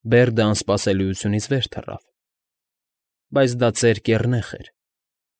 Բերդը անսպասելիությունից վեր թռավ, բայց դա ծեր կեռնեխ էր։